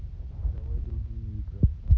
давай другие игры